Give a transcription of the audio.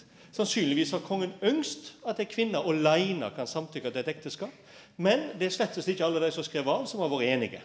sannsynlegvis har kongen ønskt at ei kvinne åleine kan samtykke til eit ekteskap, men det er slettes ikkje alle dei som har skrive av som har vore einige.